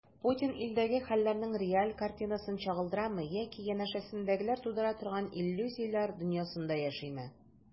Путин илдәге хәлләрнең реаль картинасын чагылдырамы яки янәшәсендәгеләр тудыра торган иллюзияләр дөньясында яшиме?